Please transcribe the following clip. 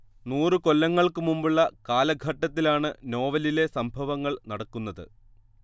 നൂറു കൊല്ലങ്ങൾക്കുമുമ്പുള്ള കാലഘട്ടത്തിലാണ് നോവലിലെ സംഭവങ്ങൾ നടക്കുന്നത്